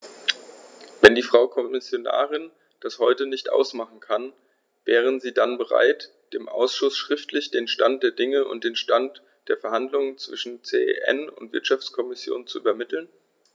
Wenn die Frau Kommissarin das heute nicht machen kann, wäre sie dann bereit, dem Ausschuss schriftlich den Stand der Dinge und den Stand der Verhandlungen zwischen CEN und Wirtschaftskommission zu übermitteln?